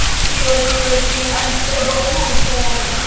thi ơi thi ơi thi anh sẽ đỗ ngay thôi